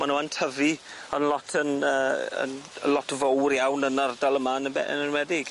Ma' nw yn tyfu yn lot yn yy yn lot fowr iawn yn ardal yma yn abe- yn enwedig.